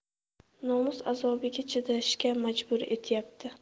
nomus azobiga chidashga majbur etyapti